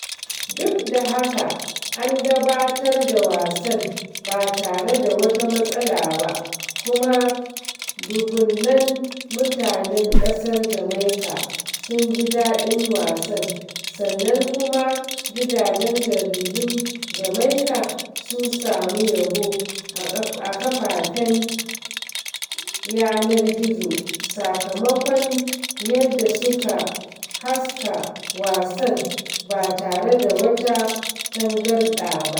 Duk da haka, an gabatar da wasan ba tare da wata matsala ba, kuma dubunnan mutanen ƙasar Jamaika sun ji daɗin wasan, sannan kuma gidajen jaridun Jamaika sun samu yabo a kafafen yanar gizo sakamakon yadda suka haska wasan ba tare da wata tangarɗa ba.